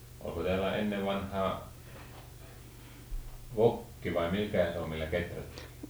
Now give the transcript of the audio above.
oliko täällä ennen vanhaan vokki vai mikä se on millä kehrättiin